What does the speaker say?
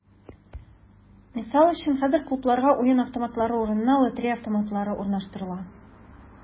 Мисал өчен, хәзер клубларга уен автоматлары урынына “лотерея автоматлары” урнаштырыла.